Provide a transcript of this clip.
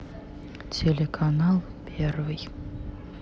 телеканал первый